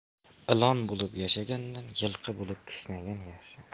ilon bo'lib yashagandan yilqi bo'lib kishnagan yaxshi